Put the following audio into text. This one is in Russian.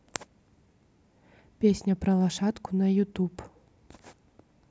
песня про лошадку на ютуб